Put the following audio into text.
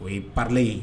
O ye baarale ye